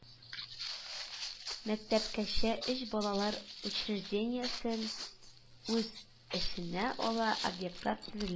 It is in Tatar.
Мәктәпкәчә өч балалар учреждениесен үз эченә ала) объектлар төзелә